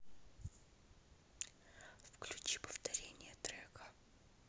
включи повторение трека